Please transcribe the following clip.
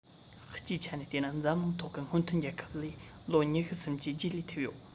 སྤྱིའི ཆ ནས བལྟས ན འཛམ གླིང ཐོག གི སྔོན ཐོན རྒྱལ ཁབ ལས ལོ ཉི ཤུ སུམ ཅུས རྗེས ལུས ཐེབས ཡོད